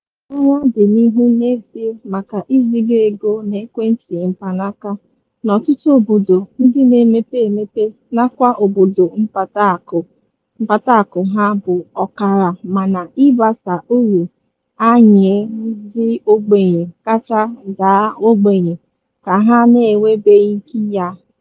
Olileanya dị n'ihu n'ezie maka iziga ego n'ekwentị mkpanaaka n'ọtụtụ obodo ndị na-emepe emepe nakwa obodo mkpataakụ ha bụ ọkara mana ịgbasa ụrụ a nye ndị ogbenye kacha daa ogbenye ka ha na-enwebeghị ike ya.